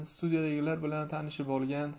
studiyadagilar bilan tanishib olgan